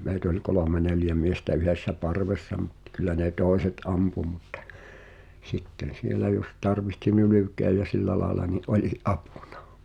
meitä oli kolme neljä miestä yhdessä parvessa mutta kyllä ne toiset ampui mutta sitten siellä jos tarvitsi nylkeä ja sillä lailla niin oli apuna